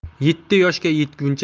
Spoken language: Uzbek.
yetti yoshga yetguncha